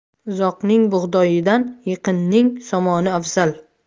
uzoqning bug'doyidan yaqinning somoni afzal